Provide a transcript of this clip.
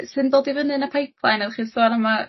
syn dod i fyny yn y pipeline oddech chi'n sôn am y